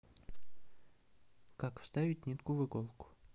как вставить нитку в иголку